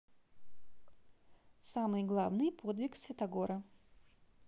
самый главный подвиг святогора